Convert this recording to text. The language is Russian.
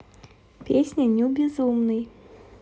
песня nю безумный